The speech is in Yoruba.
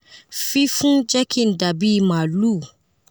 Fifun jẹ ki n dabi maalu.